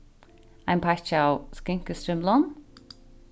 ein pakki av skinkustrimlum